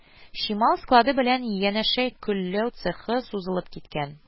Чимал склады белән янәшә көлләү цехы сузылып киткән